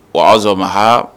Wa'son maha